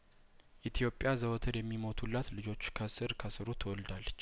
ኢትዮጵያ ዘወትር የሚሞቱላት ልጆች ከስር ከስሩት ወልዳለች